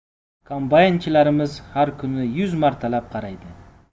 kombaynchilarimiz har kuni yuz martalab qaraydi